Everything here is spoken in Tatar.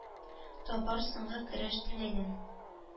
Табар соңгы көрәш теләген.